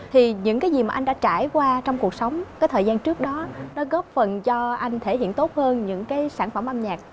thì những cái gì mà anh đã trải qua trong cuộc sống cái thời gian trước đó đã góp phần cho anh thể hiện tốt hơn những cái sản phẩm âm nhạc